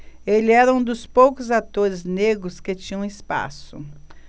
ele era um dos poucos atores negros que tinham espaço